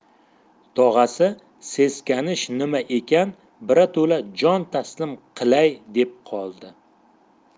tog'asi seskanish nima ekan birato'la jon taslim qilay deb qoldi